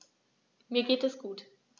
Mir geht es gut.